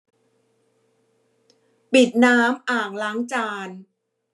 ปิดน้ำอ่างล้างจาน